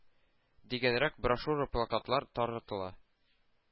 Дигәнрәк брошюра-плакатлар таратыла.